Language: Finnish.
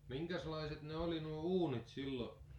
minkäslaiset ne oli nuo uunit silloin